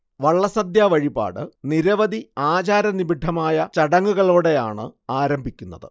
വള്ളസദ്യ വഴിപാട് നിരവധി ആചാര നിബിഡമായ ചടങ്ങുകളോടെയാണ് ആരംഭിക്കുന്നത്